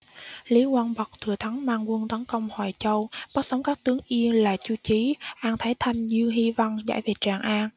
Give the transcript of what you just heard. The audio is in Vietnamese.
lý quang bật thừa thắng mang quân tấn công hoài châu bắt sống các tướng yên là chu chí an thái thanh dương hy văn giải về tràng an